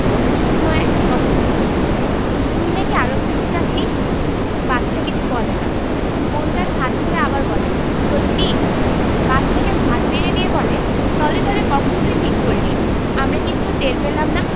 ০১ কথোপকথন তুই নাকি আরব দেশে যাচ্ছিস বাদশা কিছু বলে না বোন তার হাত ধরে আবার বলে সত্যি বাদশাকে ভাত বেড়ে দিয়ে বলে তলে তলে কখন তুই ঠিক করলি আমরা কিচ্ছু টের পেলাম না